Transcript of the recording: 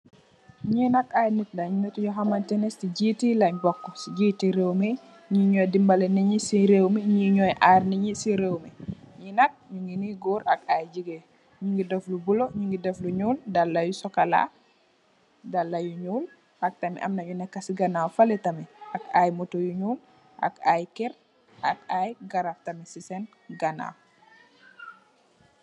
Nye nak aye neet len neet yu hamantane se geteh len boku geteh reewmi nye nuy dembale neet ye se reewmi nye nuy arr neet ye se reewmi nye nak nuge ne goor ak ay jegain nuge def lu bulo muge def lu nuul dalla yu sukola dalla yu nuul ak tamin amna nu neka se ganaw fale tamin ak aye motor yu nuul ak aye kerr ak aye garab tamin se sen ganaw.